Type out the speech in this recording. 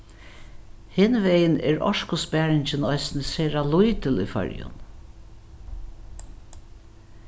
hinvegin er orkusparingin eisini sera lítil í føroyum